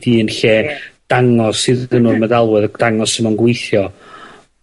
i un lle... Ie. ...dangos iddyn nw y meddalwedd, a dangos hwnnw'n gweithio.